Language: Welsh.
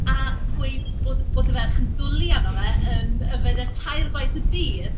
A gweud bod bod y ferch yn dwlu arno fe, yn yfed e tair gwaith y dydd!